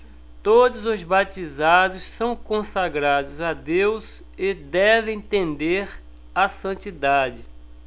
todos os batizados são consagrados a deus e devem tender à santidade